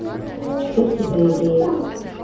шутки про евреев